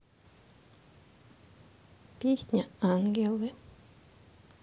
песня ангелы